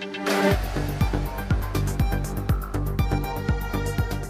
Maaunɛ